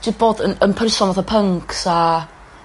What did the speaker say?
trio bod yn yn person fatha pyncs a